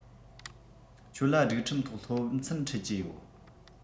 ཁྱོད ལ སྒྲིག ཁྲིམས ཐོག སློབ ཚན ཁྲིད ཀྱི ཡོད